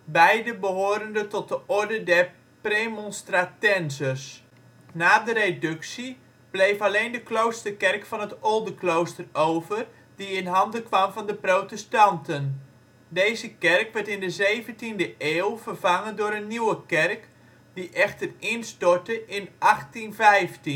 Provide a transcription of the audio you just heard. beiden behorende tot de orde der Premonstratenzers. Na de Reductie bleef alleen de kloosterkerk van het Oldeklooster over, die in handen kwam van de protestanten. Deze kerk werd in de 17e eeuw vervangen door een nieuwe kerk, die echter instortte in 1815. In